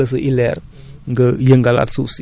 day empêcher dafa dëgër daal